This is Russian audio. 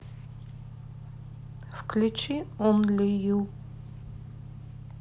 включи онли ю